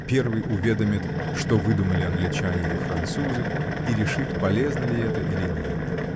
первый уведомит, что выдумали англичане или французы, и решит, полезно ли это или нет.